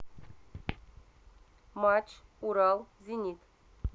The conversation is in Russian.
матч урал зенит